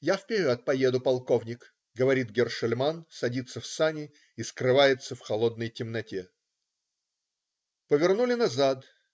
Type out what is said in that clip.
"Я впег'ед поеду, полковник",- говорит Гершельман, садится в сани и скрывается в холодной темноте. Повернули назад.